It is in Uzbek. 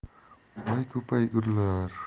voy ko'paygurlar